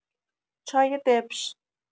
چای دبش